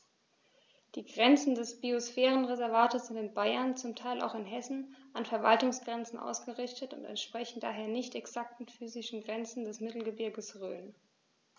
Die Grenzen des Biosphärenreservates sind in Bayern, zum Teil auch in Hessen, an Verwaltungsgrenzen ausgerichtet und entsprechen daher nicht exakten physischen Grenzen des Mittelgebirges Rhön.